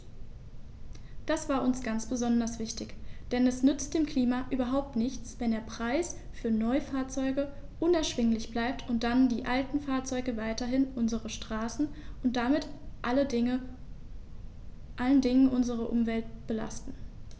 Das war uns ganz besonders wichtig, denn es nützt dem Klima überhaupt nichts, wenn der Preis für Neufahrzeuge unerschwinglich bleibt und dann die alten Fahrzeuge weiterhin unsere Straßen und damit vor allen Dingen unsere Umwelt belasten.